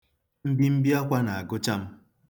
Mbimbiakwā na-agụcha m.